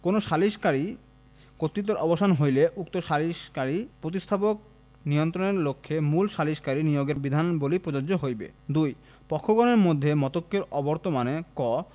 কোন সালিকারীর কর্তত্বের অবসান হইলে উক্ত সালিকারীর প্রতিস্থাপক নিয়োগের ক্ষেত্রে মূল সালিসকারী নিয়োগের বিধানাবলী প্রযোজ্য হইবে ২ পক্ষগণের মধ্যে মতৈক্যের অবর্তমানে ক